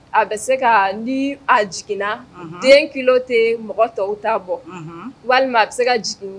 A bɛ se ka ni a jiginna den kilo tɛ mɔgɔ tɔw t'a bɔ walima a bɛ se ka jigin